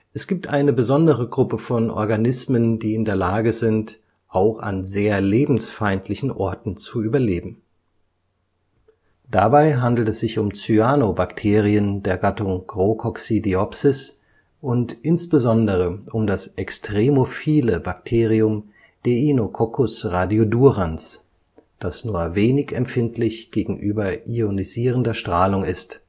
Es gibt eine besondere Gruppe von Organismen, die in der Lage sind, auch an sehr lebensfeindlichen Orten zu überleben: Dabei handelt es sich um Cyanobakterien der Gattung Chroococcidiopsis und insbesondere um das extremophile Bakterium Deinococcus radiodurans, das nur wenig empfindlich gegenüber ionisierender Strahlung ist